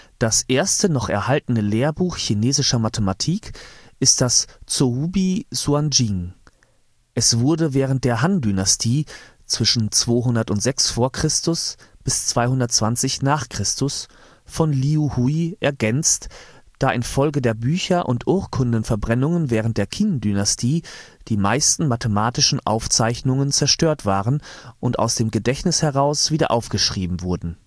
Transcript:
Das erste noch erhaltene Lehrbuch chinesischer Mathematik ist das Zhoubi suanjing. Es wurde während der Han-Dynastie, zwischen 206 v. Chr. bis 220 n. Chr., von Liu Hui ergänzt, da infolge der Bücher - und Urkundenverbrennungen während der Qin-Dynastie die meisten mathematischen Aufzeichnungen zerstört waren und aus dem Gedächtnis heraus wieder aufgeschrieben wurden